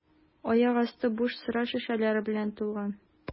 Аяк асты буш сыра шешәләре белән тулган.